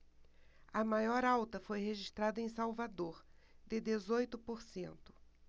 a maior alta foi registrada em salvador de dezoito por cento